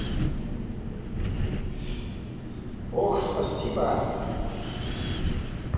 ох спасибо